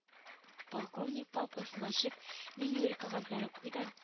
“полковник” папкасын ачып ниндидер кәгазьләр укый да